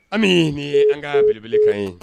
Ami nin ye an ka belebele kan ye